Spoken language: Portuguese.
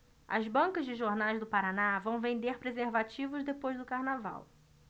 as bancas de jornais do paraná vão vender preservativos depois do carnaval